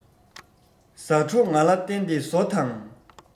ཟ འཕྲོ ང ལ བསྟན ཏེ ཟོ དང